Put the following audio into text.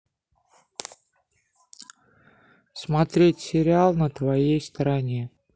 смотреть сериал на твоей стороне